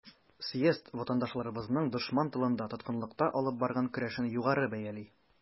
Съезд ватандашларыбызның дошман тылында, тоткынлыкта алып барган көрәшен югары бәяли.